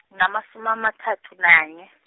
nginamasumi amathathu nanye .